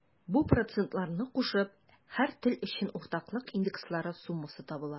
Бу процентларны кушып, һәр тел өчен уртаклык индекслары суммасы табыла.